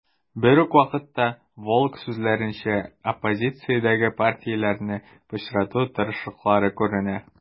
Берүк вакытта, Волк сүзләренчә, оппозициядәге партияләрне пычрату тырышлыклары күрелә.